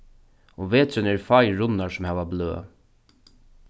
um veturin eru fáir runnar sum hava bløð